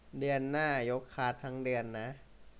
เดือนหน้ายกคลาสทั้งเดือนนะ